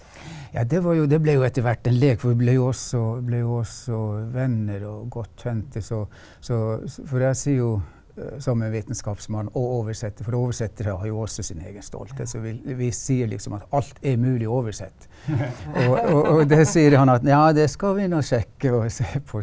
ja det var jo det ble jo etterhvert en lek for vi ble jo også ble jo også venner og godt kjente så så for jeg sier jo som en vitenskapsmann og oversetter for oversettere har jo også sin egen stolthet så vi vi sier liksom at alt er mulig å oversette og og og det sier han at ja det skal vi nå sjekke og se på.